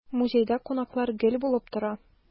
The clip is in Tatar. Музейда кунаклар гел булып тора.